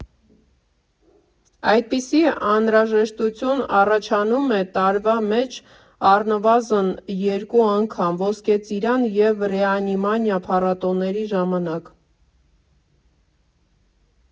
Այդպիսի անհրաժեշտություն առաջանում է տարվա մեջ առնվազն երկու անգամ՝ Ոսկե Ծիրան և ՌեԱնիմանիա փառատոների ժամանակ։